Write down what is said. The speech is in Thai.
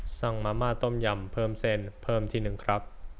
สั่งมาม่าต้มยำเพิ่มเส้นเพิ่มที่นึงครับ